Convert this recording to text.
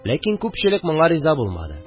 Ләкин күпчелек моңа риза булмады.